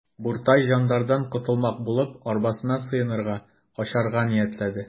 Буртай жандардан котылмак булып, арбасына сыенырга, качарга ниятләде.